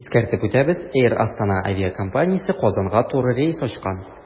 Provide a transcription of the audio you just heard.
Искәртеп үтәбез, “Эйр Астана” авиакомпаниясе Казанга туры рейс ачкан.